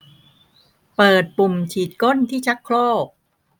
เปิดปุ่มฉีดก้นที่ชักโครก